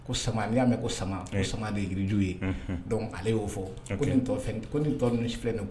Ko sama y'a mɛn ko sama ko sama deju yec ale y'o fɔ ko ko tɔ nisi filɛ de